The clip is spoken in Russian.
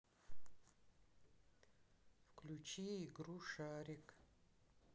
включи игру шарик